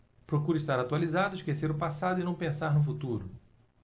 procuro estar atualizado esquecer o passado e não pensar no futuro